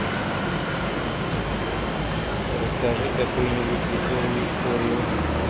расскажи какую нибудь веселую историю